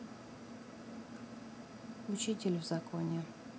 учитель в законе